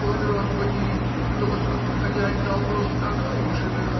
- Я и рад угодить, да лошадку-то хозяин дал. просто такая уж.